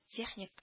Техник